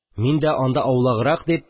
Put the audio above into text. Мин дә, анда аулаграк дип